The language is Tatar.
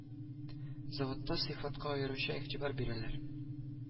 Заводта сыйфатка аеруча игътибар бирәләр